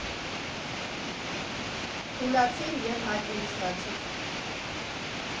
Թուլացիր ու հաճույք ստացիր։